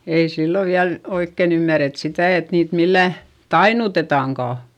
ei silloin vielä oikein ymmärretty sitä että niitä millään tainnutetaankaan